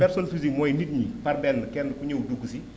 personne physique mooy nit ñi par benn kenn ku ñëw dugg si